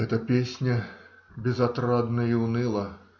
Эта песня безотрадна и уныла,